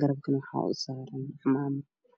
garabka waxaa usaaran cimaamad